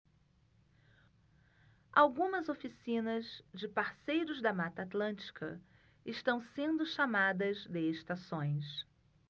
algumas oficinas de parceiros da mata atlântica estão sendo chamadas de estações